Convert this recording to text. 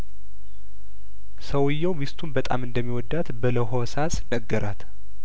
ሰውዬው ሚስቱን በጣም እንደሚወዳት በለሆሳ ስነገራት